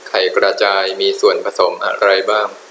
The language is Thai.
ไข่กระจายมีส่วนผสมอะไรบ้าง